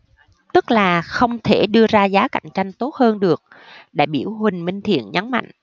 tức là không thể đưa ra giá cạnh tranh tốt hơn được đại biểu huỳnh minh thiện nhấn mạnh